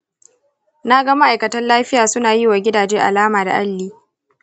na ga ma’aikatan lafiya suna yi wa gidaje alama da alli.